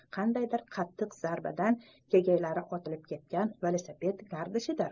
qandaydir qattiq zarbadan kegaylari otilib ketgan velosiped gardishidir